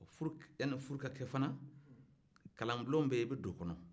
yanni furu ka kɛ fana kalanbulon bɛ yen i bɛ don o kɔnɔ